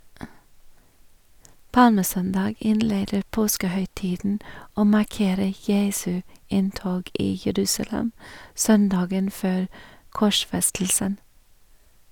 Palmesøndag innleder påskehøytiden og markerer Jesu inntog i Jerusalem søndagen før korsfestelsen.